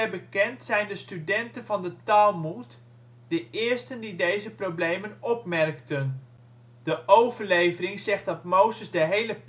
bekend zijn de studenten van de Talmoed de eersten die deze problemen opmerkten. De overlevering zegt dat Mozes de hele